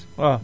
waaw